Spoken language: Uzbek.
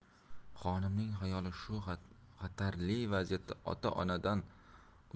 xonimning xayoli shu xatarli vaziyatda ota onadan